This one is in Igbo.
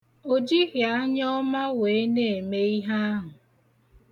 O jighị anyọọma wee na-eme ihe ahụ